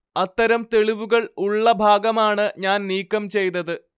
അത്തരം തെളിവുകൾ ഉള്ള ഭാഗമാണ് ഞാൻ നീക്കം ചെയ്തത്